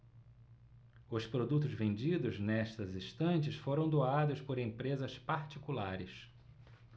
os produtos vendidos nestas estantes foram doados por empresas particulares